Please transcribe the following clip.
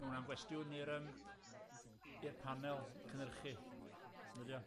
Ma' hwnna'n gwestiwn i'r yym i'r panel cynyrchu, yndydi o?